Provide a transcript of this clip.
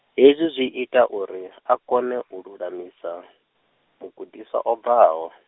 hezwi zwi ita uri, a kone u lulamisa , mugudiswa o bvaho .